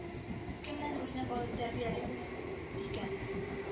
-кемнән үрнәк алып тәрбияле булыйм икән